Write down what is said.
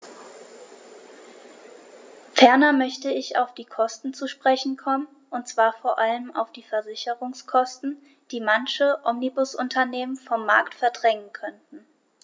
Ferner möchte ich auf die Kosten zu sprechen kommen, und zwar vor allem auf die Versicherungskosten, die manche Omnibusunternehmen vom Markt verdrängen könnten.